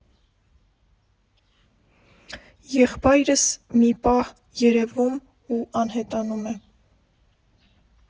Եղբայրս մի պահ երևում ու անհետանում է։